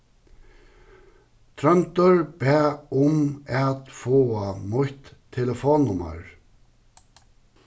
tróndur bað um at fáa mítt telefonnummar